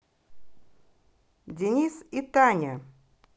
денис и таня